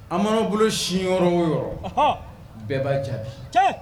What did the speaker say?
A' man'aw bolo sin yɔrɔ o yɔrɔ; Ɔnhɔn; Bɛɛ b'a jaabi; Tiɲɛ.